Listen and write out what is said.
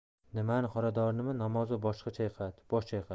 nimani qoradorinimi namozov bosh chayqadi